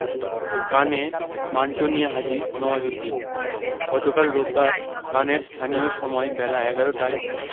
কানে মান্টো নিয়ে হাজির নওয়াজুদ্দিন গতকাল রোববার কানের স্থানীয় সময় বেলা ১১টায়